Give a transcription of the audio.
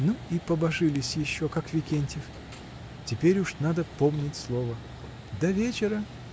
— Ну и побожились еще, как Викентьев. Теперь уж надо помнить слово. До вечера!